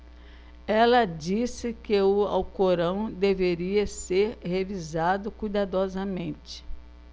ela disse que o alcorão deveria ser revisado cuidadosamente